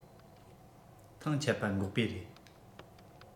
ཐང ཆད པ འགོག པའི རེད